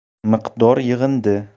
miqdor yig'indi